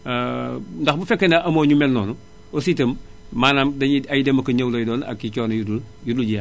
ndax bu fekkee ne amoo ñu mel noonu aussi itam maanaam dañuy am dem ak a ñëw lay doon ak i coono yu dul yu dul jeex